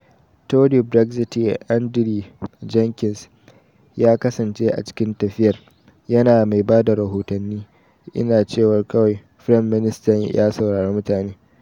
Tory Brexiteer Andrea Jenkyns ya kasance a cikin tafiyar, yana mai ba da rahotanni: ‘Ina cewa kawai: Frem minister ya saurari mutane.